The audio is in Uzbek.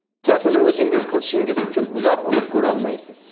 barchasini o'zingiz qilishingiz uchun uzoq umr ko'rolmaysiz